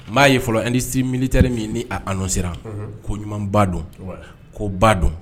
M maa'a ye fɔlɔ n ni si militari min ni a siran ko ɲuman ba don ko ba dɔn